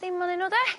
dim o'nyn nw 'de?